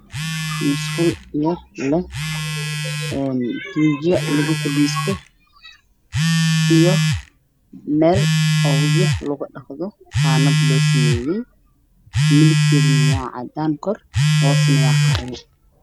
Musqul leh tuji laku fadhisto io waji dhaq qanad losameyay midabkeda waa cadan qaxwi